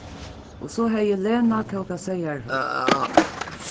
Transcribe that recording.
og so hevði lena kókað seyðarhøvd